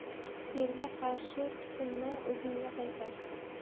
yelga qarshi tupunna o'zingga qaytar